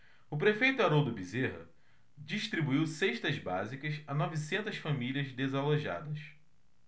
o prefeito haroldo bezerra distribuiu cestas básicas a novecentas famílias desalojadas